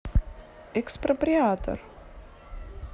экспроприатор